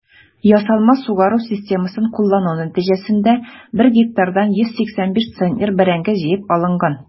Ясалма сугару системасын куллану нәтиҗәсендә 1 гектардан 185 центнер бәрәңге җыеп алынган.